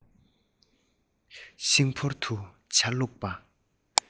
ཤིང ཕོར དུ ཇ བླུགས པ